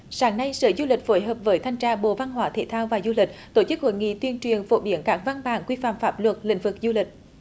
sáng nay sở du lịch phối hợp với thanh tra bộ văn hóa thể thao và du lịch tổ chức hội nghị tuyên truyền phổ biến các văn bản quy phạm pháp luật lĩnh vực du lịch